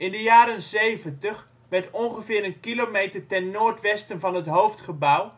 de jaren ' 70 werd ongeveer een kilometer ten noordwesten van het hoofdgebouw